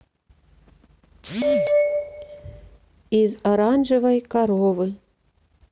из оранжевой коровы